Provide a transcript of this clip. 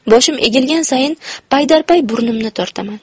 boshim egilgan sayin paydarpay burnimni tortaman